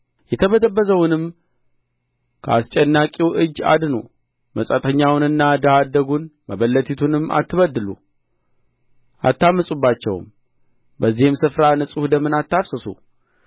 የተበዘበዘውንም ከአስጨናቂው እጅ አድኑ መጻተኛውንና ድሀ አደጉን መበለቲቱንም አትበድሉ አታምፁባቸውም በዚህም ስፍራ ንጹሕ ደምን አታፍስሱ